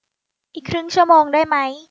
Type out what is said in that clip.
อีกครึ่งชั่วโมงได้ไหม